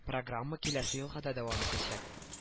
Программа киләсе елга да дәвам итәчәк